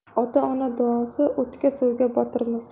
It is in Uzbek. ota ona duosi o'tga suvga botirmas